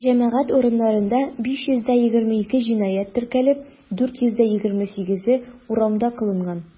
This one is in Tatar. Җәмәгать урыннарында 522 җинаять теркәлеп, 428-е урамда кылынган.